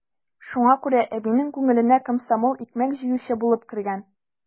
Шуңа күрә әбинең күңеленә комсомол икмәк җыючы булып кергән.